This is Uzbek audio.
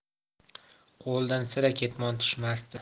qo'lidan sira ketmon tushmasdi